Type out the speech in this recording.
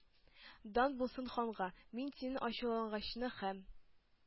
— дан булсын ханга, мин синең ачуланачагыңны һәм